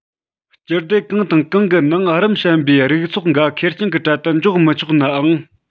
སྤྱི སྡེ གང དང གང གི ནང གི རིམ ཞན པའི རིགས ཚོགས འགའ ཁེར རྐྱང གི གྲལ དུ འཇོག མི ཆོག ནའང